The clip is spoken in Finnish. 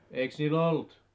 eikös niillä ollut